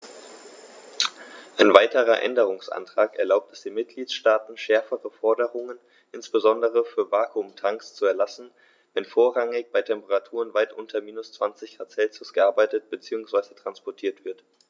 Ein weiterer Änderungsantrag erlaubt es den Mitgliedstaaten, schärfere Forderungen, insbesondere für Vakuumtanks, zu erlassen, wenn vorrangig bei Temperaturen weit unter minus 20º C gearbeitet bzw. transportiert wird.